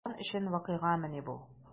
Казан өчен вакыйгамыни бу?